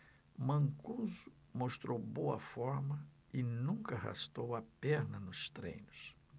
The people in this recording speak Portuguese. mancuso mostrou boa forma e nunca arrastou a perna nos treinos